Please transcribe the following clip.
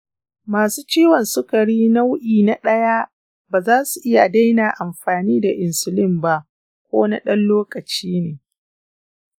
masu ciwon sukari nau’i na ɗaya ba za su iya daina amfani da insulin ba ko na ɗan lokaci ne.